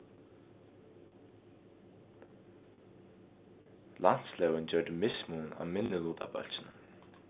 landslógin gjørdi mismun á minnilutabólkinum